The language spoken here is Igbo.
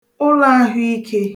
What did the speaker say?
ụlọ̄àhụikē